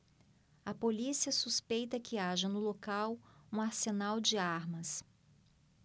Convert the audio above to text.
a polícia suspeita que haja no local um arsenal de armas